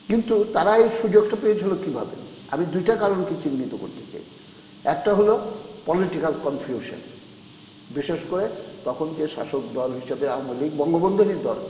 কিন্তু তারা এই সুযোগটা পেয়ে ছিল কিভাবে আমি দুইটা কারণকে চিহ্নিত করতে চাই একটা হল পলিটিক্যাল কনফিউশন বিশেষ করে তখন যে শাসক দল হিসেবে আওয়ামী লীগ বঙ্গবন্ধুর ই দল